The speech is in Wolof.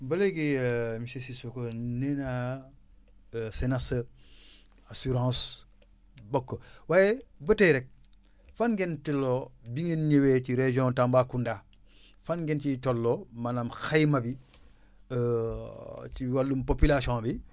ba léegi monsieur Cissokho nee naa CNAAS assurance bokk waaye ba tey rek fan ngeen tolloo bi ngeen énëwee ci région Tambacounda fan ngeen ci tolloo maanaam xayma bi ci wàllum population bi